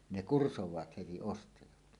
ne kursaavat heti ostajat